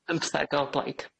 Bymtheg o blaid.